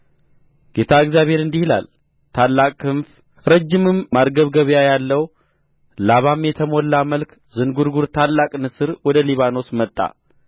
ጌታ እግዚአብሔር እንዲህ ይላል ታላቅ ክንፍ ረጅምም ማርገብገቢያ ያለው ላባም የተሞላ መልከ ዝንጕርጕር ታላቅ ንስር ወደ ሊባኖስ መጣ